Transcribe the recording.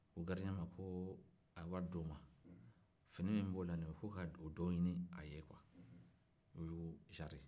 a ko garidiyen ma k'a bɛ wari d'o ma fini min b'o la nin ye k'o ka o dɔ ɲini o jari